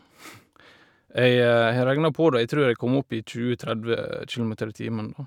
Jeg har regna på det, og jeg trur jeg kom opp i tjue tredve kilometer i timen, da.